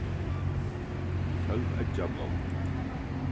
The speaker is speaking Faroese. tólv eggjablommur